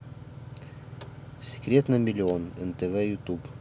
секрет на миллион нтв ютуб